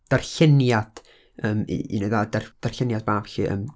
darlleniad, yym, u- un neu ddau dar- darlleniad mab felly, yym.